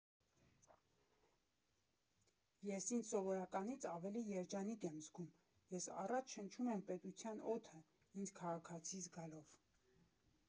Ես ինձ սովորականից ավելի երջանիկ եմ զգում, ես առատ շնչում եմ պետության օդը՝ ինձ քաղաքացի զգալով։